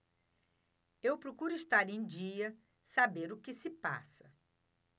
eu procuro estar em dia saber o que se passa